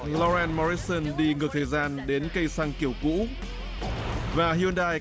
lau ren mo rít sơn đi ngược thời gian đến cây xăng kiểu cũ và huyn đai